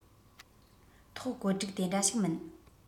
ཐོག བཀོད སྒྲིག དེ འདྲ ཞིག མིན